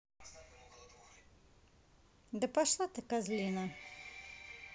да пошла ты казлина